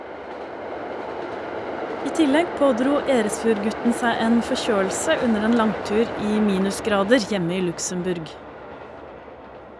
I tillegg pådro Eresfjord-gutten seg en forkjølelse under en langtur i minusgrader hjemme i Luxembourg.